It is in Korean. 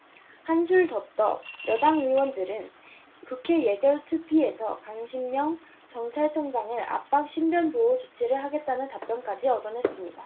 한술 더 떠 여당 의원들은 국회 예결특위에서 강신명 경찰청장을 압박 신변보호 조치를 하겠다는 답변까지 얻어냈습니다